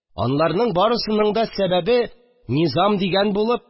Аларның барысының да сәбәбе – «низам» дигән булып